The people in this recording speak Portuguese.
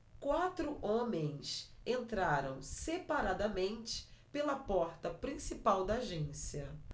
quatro homens entraram separadamente pela porta principal da agência